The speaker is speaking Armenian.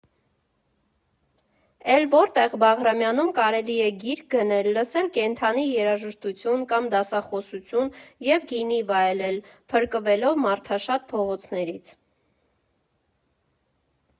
Էլ որտե՞ղ Բաղրամյանում կարելի է գիրք գնել, լսել կենդանի երաժշտություն կամ դասախոսություն և գինի վայելել՝ փրկվելով մարդաշատ փողոցներից։